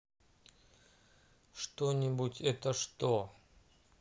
что нибудь это что